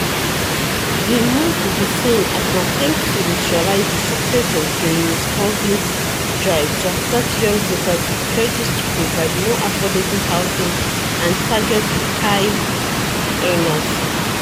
The move will be seen as an attempt to neutralize the success of Jeremy Corbyn's drive to attract young voters with pledges to provide more affordable housing and target high earners.